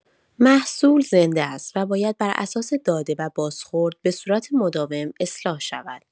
محصول زنده است و باید بر اساس داده و بازخورد، به‌صورت مداوم اصلاح شود.